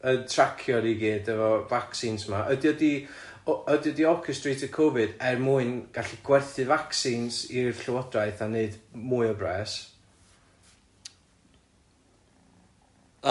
yn tracio ni i gyd efo vaccines 'ma ydi o 'di o- ydi o 'di orchestratio Covid er mwyn gallu gwerthu vaccines i'r llywodraeth a 'neud mwy o bres?